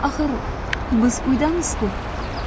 axir biz uydamiz ku